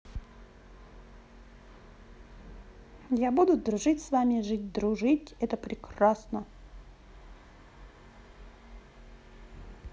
я буду дружить с вами жить дружить это прекрасно